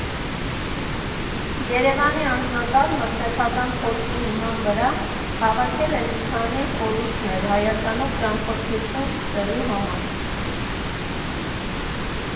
ԵՐԵՎԱՆի անձնակազմը սեփական փորձի հիման վրա հավաքել է մի քանի խորհուրդներ՝ Հայաստանով ճամփորդություն սկսելու համար։